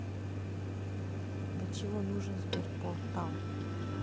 для чего нужен sberportal